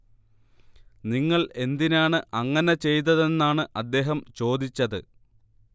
നിങ്ങൾ എന്തിനാണ് അങ്ങനെ ചെയ്തതെന്നാണ് അദ്ദേഹം ചോദിച്ചത്